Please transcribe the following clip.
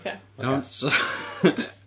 Ocê. Ocê. Iawn so...